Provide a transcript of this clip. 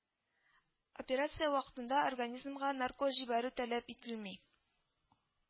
Операция вакытында организмга наркоз җибәрү тәләп ителми